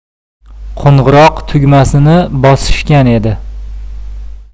qo'ng'irok tugmasini bosishgan edi